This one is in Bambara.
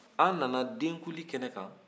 an nana denkundi kɛnɛ kan